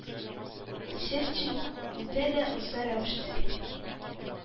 Черчилль үтә дә оста рәвештә